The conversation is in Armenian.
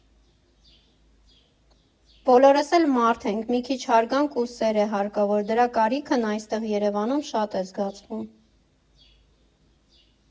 Բոլորս էլ մարդ ենք՝ մի քիչ հարգանք ու սեր է հարկավոր, դրա կարիքն այստեղ՝ Երևանում, շատ է զգացվում։